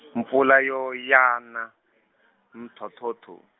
mpfula yo ya na, mthothotho.